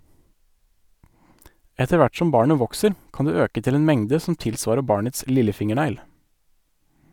Etter hvert som barnet vokser, kan du øke til en mengde som tilsvarer barnets lillefingernegl.